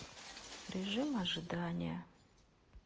режим ожидания